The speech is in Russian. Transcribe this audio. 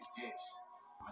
куклы рэмбл хай